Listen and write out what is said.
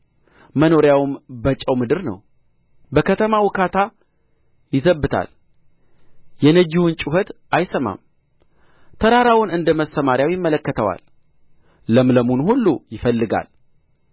መኖሪያውም በጨው ምድር ነው በከተማ ውካታ ይዘብታል የነጂውን ጩኸት አይሰማም ተራራውን እንደ መሰምርያው ይመለከተዋል ለምለሙንም ሁሉ ይፈልጋል